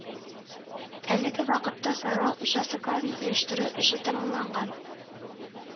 Әлеге вакытта сайлау участокларын оештыру эше тәмамланган